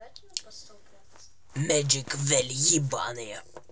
mighty вели ебаные